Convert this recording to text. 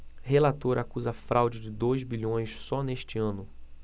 relator acusa fraude de dois bilhões só neste ano